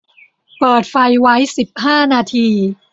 เปิดไฟไว้สิบห้านาที